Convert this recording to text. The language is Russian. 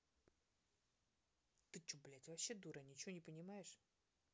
ты че блядь вообще дура ничего не понимаешь